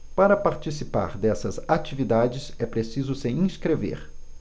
para participar dessas atividades é preciso se inscrever